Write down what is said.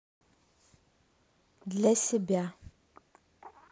для себя